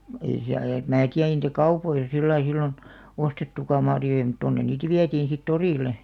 ei - ja en minä tiedä ei niitä kaupoissa sillä lailla silloin ostettukaan marjoja mutta tuonne niitä vietiin sitten torille